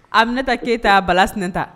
Aminata Keita Balla Sinɛnta